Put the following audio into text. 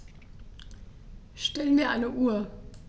Stell mir eine Uhr.